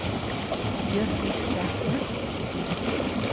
jøkulstræti